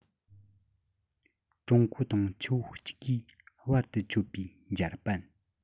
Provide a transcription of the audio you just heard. ཀྲུང གོ དང ཆུ བོ གཅིག གིས བར དུ ཆོད པའི འཇར པན